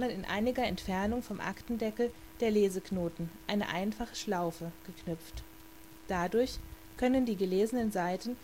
in einiger Entfernung vom Aktendeckel der Leseknoten (eine einfache Schlaufe) geknüpft. Dadurch können die gelesenen Seiten